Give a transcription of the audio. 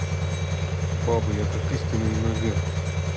баба я как истиная нога